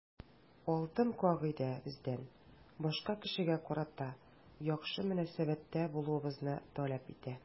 Алтын кагыйдә бездән башка кешегә карата яхшы мөнәсәбәттә булуыбызны таләп итә.